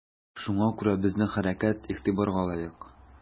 Шуңа күрә безнең хәрәкәт игътибарга лаек.